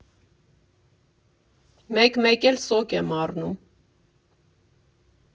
Մեկ֊մեկ էլ սոկ եմ առնում։